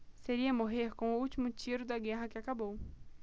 seria morrer com o último tiro da guerra que acabou